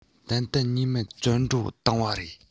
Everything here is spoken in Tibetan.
ཏན ཏན ཉེས མེད བཙོན འགྲོལ བཏང བ རེད